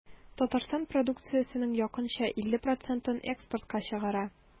Татарстан продукциясенең якынча 50 процентын экспортка чыгара.